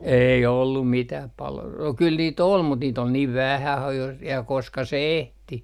ei ollut mitään - no kyllä niitä oli mutta niitä oli niin vähän - jos ja koska se ehti